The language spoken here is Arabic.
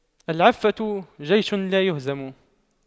العفة جيش لايهزم